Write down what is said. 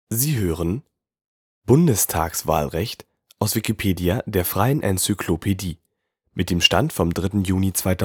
Sie hören den Artikel Bundestagswahlrecht, aus Wikipedia, der freien Enzyklopädie. Mit dem Stand vom Der